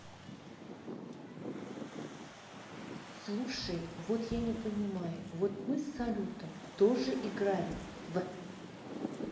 слушай вот я не понимаю вот мы с салютом тоже играли в